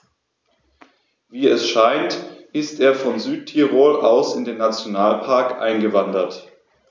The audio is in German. Wie es scheint, ist er von Südtirol aus in den Nationalpark eingewandert.